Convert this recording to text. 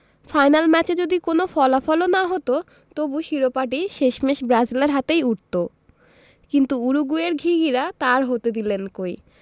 final ম্যাচে যদি কোনো ফলাফলও না হতো তবু শিরোপাটি শেষমেশ ব্রাজিলের হাতেই উঠত কিন্তু উরুগুয়ের ঘিঘিয়া তা আর হতে দিলেন কই